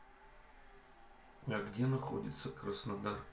а где находится краснодар